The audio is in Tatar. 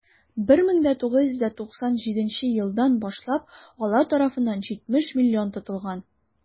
1997 елдан башлап алар тарафыннан 70 млн тотылган.